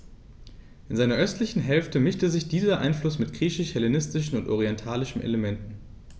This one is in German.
In seiner östlichen Hälfte mischte sich dieser Einfluss mit griechisch-hellenistischen und orientalischen Elementen.